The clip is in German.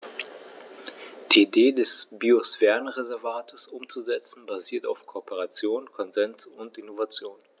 Die Idee des Biosphärenreservates umzusetzen, basiert auf Kooperation, Konsens und Innovation.